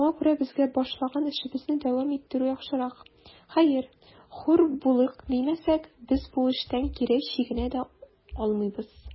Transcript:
Шуңа күрә безгә башлаган эшебезне дәвам иттерү яхшырак; хәер, хур булыйк димәсәк, без бу эштән кире чигенә дә алмыйбыз.